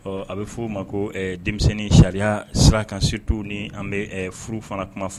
Ɔ a bɛ f' oo ma ko denmisɛnnin sariya sira kan situ ni an bɛ furu fana kuma fɔ